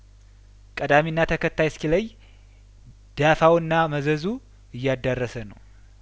ቀዳሚና ተከታይ እስኪለይ ዳፋውና መዘዙ እያዳረሰ ነው